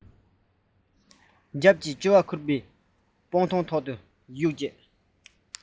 རྒྱབ གྱི ལྕི བའི ཁུར པོ སྤང ཐང ཐོག ཏུ གཡུགས རྗེས